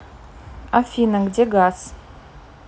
афина где газ